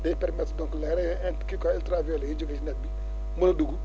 day permettre donc les rayons in kii quoi intras violet yi jógee si naaj bi mën a dugg